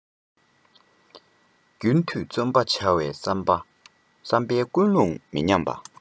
རྒྱུན མཐུད བརྩོན པ བྱ བའི བསམ པའི ཀུན སློང མི ཉམས པ